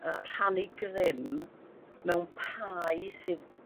yy rhannu grym mewn pai sydd